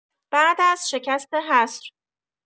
بعد از شکست حصر